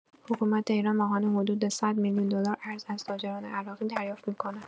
حکومت ایران ماهانه حدود ۱۰۰ میلیون دلار ارز از تاجران عراقی دریافت می‌کند.